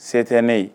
Se tɛ ne ye